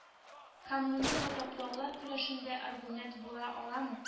Коммуналь газаплаулар көрәшендә аргумент була аламы